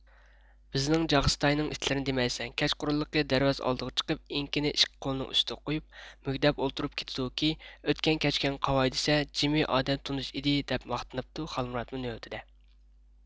بىزنىڭ جاغىستاينىڭ ئىتىلىرنى دېمەيسەن كەچقۇرۇنلۇقى دەرۋازا ئالدىغا چىقىپ ئېڭىكىنى ئىككى قولنىڭ ئۈستىگە قويۇپ مۈگدەپ ئولتۇرۇپ كېتىدۇكى ئۆتكەن كەچكەنگە قاۋاي دىسە جىمى ئادەم تونۇش ئىدى دەپ ماختىنىپتۇ خالمىرات مۇ نۆۋىتىدە